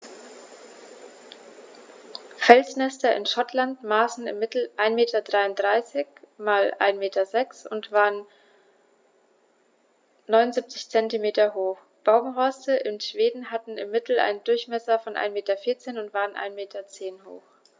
Felsnester in Schottland maßen im Mittel 1,33 m x 1,06 m und waren 0,79 m hoch, Baumhorste in Schweden hatten im Mittel einen Durchmesser von 1,4 m und waren 1,1 m hoch.